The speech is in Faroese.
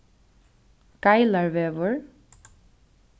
geilarvegur